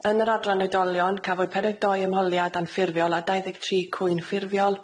Yn yr adran oedolion cafwyd perydd dou ymholiad anffurfiol a dau ddeg tri cwyn ffurfiol.